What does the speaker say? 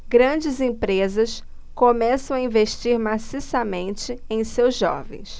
grandes empresas começam a investir maciçamente em seus jovens